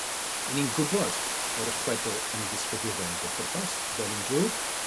Ry'n ni'n gwbod bod y chwedl yn 'i disgrifio fe i bob pwrpas fel un drwg.